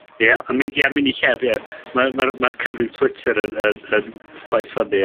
Ie, yn mynd ie yn myn' i llefiydd ma' ma'r ma'r cyfrif Twitter yn yn yn quite funny.